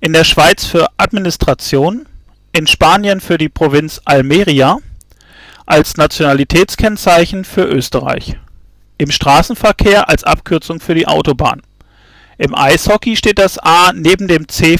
in der Schweiz für Administration. in Spanien für die Provinz Almería. als Nationalitätszeichen für Österreich (Austria). im Straßenverkehr als Abkürzung für Autobahn im Eishockey steht das A, neben dem C